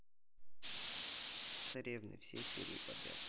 царевны все серии подряд